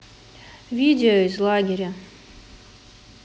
видео из лагеря